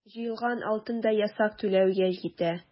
Җыелган алтын да ясак түләүгә китә.